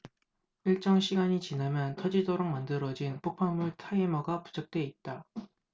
일정 시간이 지나면 터지도록 만들어진 폭발물 타이머가 부착돼 있다